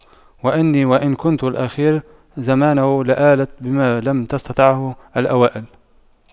وإني وإن كنت الأخير زمانه لآت بما لم تستطعه الأوائل